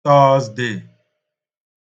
Tọọzde